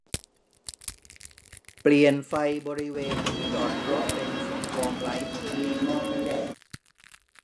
เปลี่ยนไฟบริเวณที่จอดรถเป็นสีวอร์มไลท์ที